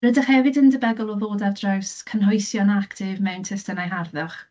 Rydych hefyd yn debygol o ddod ar draws cynhwysion actif mewn testunau harddwch.